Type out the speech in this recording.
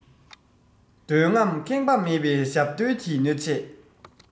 འདོད རྔམས ཁེངས པ མེད པའི ཞབས བརྡོལ གྱི གནོད ཆས